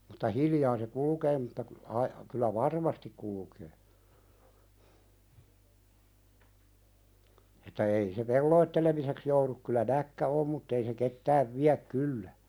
mutta hiljaa se kulkee mutta -- kyllä varmasti kulkee että ei se pelottelemiseksi joudu kyllä näkki on mutta ei se kyttää vielä kyllä